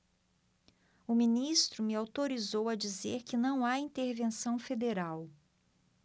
o ministro me autorizou a dizer que não há intervenção federal